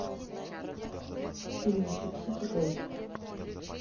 синие фиксики ой